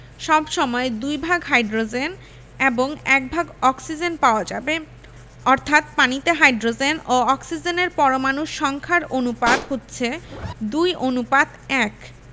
সব সময় দুই ভাগ হাইড্রোজেন এবং এক ভাগ অক্সিজেন পাওয়া যাবে অর্থাৎ পানিতে হাইড্রোজেন ও অক্সিজেনের পরমাণুর সংখ্যার অনুপাত হচ্ছে ২ অনুপাত ১